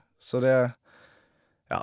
Så det, ja.